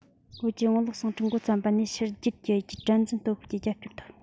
བོད ཀྱི ངོ ལོག ཟིང འཁྲུག མགོ བརྩམས པ ནས ཕྱི རྒྱལ གྱི དགྲར འཛིན སྟོབས ཤུགས ཀྱི རྒྱབ སྐྱོར ཐོབ